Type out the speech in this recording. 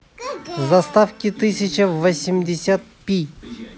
заставки тысяча восемьдесят пи